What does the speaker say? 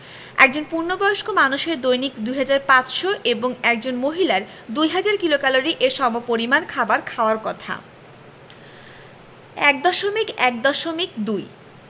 একজন পূর্ণবয়স্ক মানুষের দৈনিক ২৫০০ এবং একজন মহিলার ২০০০ কিলোক্যালরি এর সমপরিমান খাবার খাওয়ার কথা ১.১.২